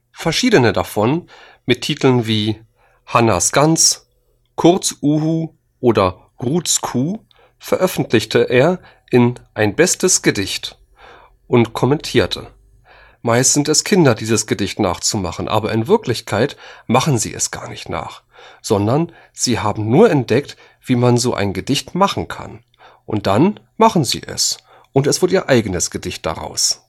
Verschiedene davon mit Titeln wie Hannas Gans, Kurts Uhu oder Ruths Kuh veröffentlichte er in Ein bestes Gedicht und kommentierte: „ meist sind es Kinder, dieses Gedicht nachzumachen, aber in Wirklichkeit machen sie es gar nicht nach, sondern sie haben nur entdeckt, wie man so ein Gedicht machen kann, und dann machen sie es, und es wird ihr eigenes Gedicht daraus